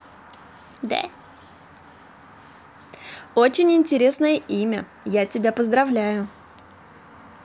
очень интересное имя я тебя поздравляю